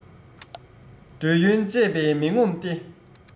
འདོད ཡོན སྤྱད པས མི ངོམས ཏེ